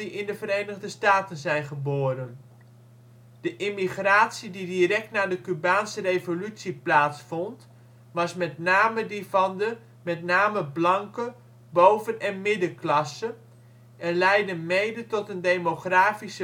in de Verenigde Staten zijn geboren. De emigratie die direct na de Cubaanse Revolutie plaatsvond was met name die van de (m.n. blanke) boven - en middenklasse en leidde mede tot een demografische